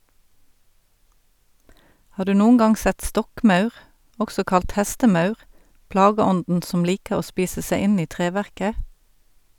Har du noen gang sett stokkmaur , også kalt hestemaur , plageånden som liker å spise seg inn i treverket?